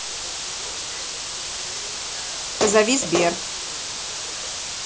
позови сбер